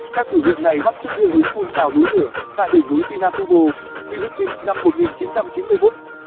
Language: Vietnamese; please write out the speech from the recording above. các thử nghiệm này bắt chước hiệu ứng phun trào núi lửa tại đỉnh núi pinatubo philippines năm